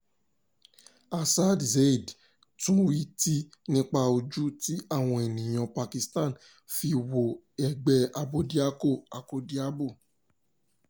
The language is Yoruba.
Asad Zaidi túwíìtì nípa ojú tí àwọn ènìyàn Pakistan fi wo ẹgbẹ́ Abódiakọ-akọ́diabo: